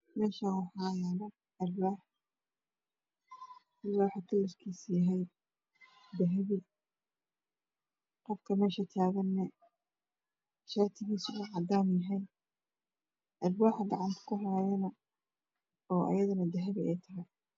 Meshan waxa yalo Alwax Alwaxa kalarkisa uyahay dahabi qofaka meshatagana shatigisa uyahay cadan Alwaxa gacantakuhayana o Ayaduna dahabi aytahay